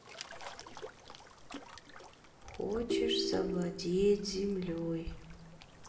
хочешь завладеть землей